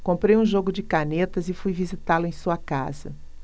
comprei um jogo de canetas e fui visitá-lo em sua casa